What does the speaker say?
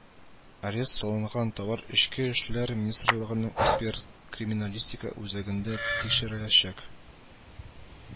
Арест салынган товар Эчке эшләр министрлыгының эксперт криминалистика үзәгендә тикшереләчәк